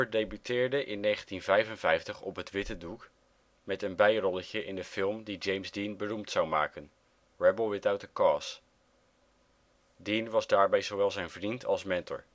debuteerde in 1955 op het witte doek met een bijrolletje in de film die James Dean beroemd zou maken: Rebel without a cause. Dean was daarbij zowel zijn vriend als mentor